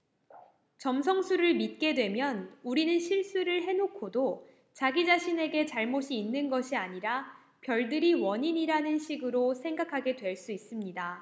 점성술을 믿게 되면 우리는 실수를 해 놓고도 자기 자신에게 잘못이 있는 것이 아니라 별들이 원인이라는 식으로 생각하게 될 수 있습니다